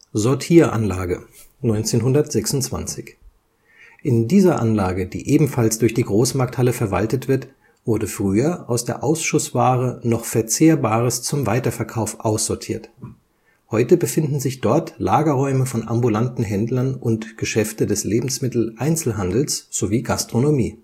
Sortieranlage, 1926: In dieser Anlage, die ebenfalls durch die GMH verwaltet wird wurde früher aus der Ausschussware noch Verzehrbares zum Weiterverkauf aussortiert. Heute befinden sich dort Lagerräume von ambulanten Händlern und Geschäfte des Lebensmitteleinzelhandels sowie Gastronomie